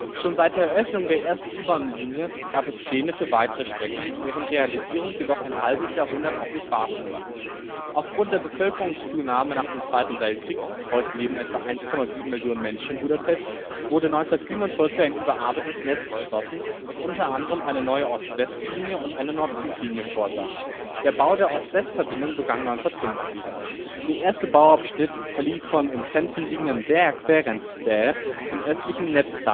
Schon seit der Eröffnung der ersten U-Bahnlinie gab es Pläne für weitere Strecken, deren Realisierung jedoch ein halbes Jahrhundert auf sich warten ließ. Aufgrund der Bevölkerungszunahme nach dem Zweiten Weltkrieg, heute leben etwa 1,7 Millionen Menschen in Budapest, wurde 1947 ein überarbeitetes Netz beschlossen, das unter anderem eine neue Ost-West-Linie und eine Nord-Süd-Linie vorsah. Der Bau der Ost-West-Verbindung begann 1950. Der erste Bauabschnitt verlief vom im Zentrum liegenden Deák Ferenc tér zum östlichen Népstadion